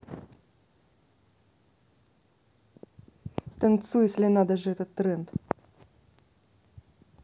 танцуй если надо же этот тренд